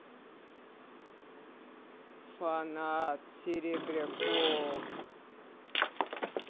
фанат серебряков